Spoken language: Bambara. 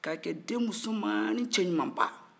k'a kɛ denmuso jumani cɛjuman ba